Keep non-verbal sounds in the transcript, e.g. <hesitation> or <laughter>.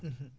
<hesitation> <hesitation>